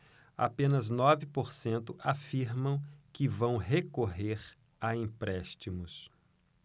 apenas nove por cento afirmam que vão recorrer a empréstimos